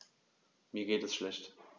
Mir geht es schlecht.